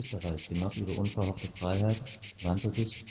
genoss ihre unverhoffte Freiheit, wandte sich